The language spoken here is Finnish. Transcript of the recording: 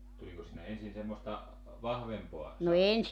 tuliko siinä ensin semmoista vahvempaa sahtia